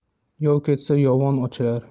yov ketsa yovon ochilar